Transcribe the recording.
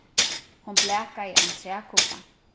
hon blakaði ein trækubba